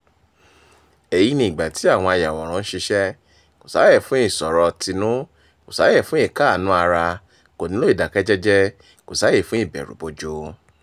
Èyí ni ìgbà tí àwọn ayàwòrán ń ṣiṣẹ́. Kò sáyé fún ìsọ̀rètínù, kò sáyé fún ìkáàánú-ara, kò nílò ìdákẹ́ jẹ́jẹ́, kò sí àyè fún ìbẹ̀rù bojo.